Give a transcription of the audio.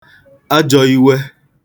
ajọ̄īwē